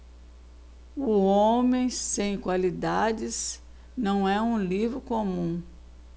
o homem sem qualidades não é um livro comum